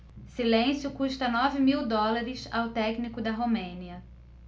silêncio custa nove mil dólares ao técnico da romênia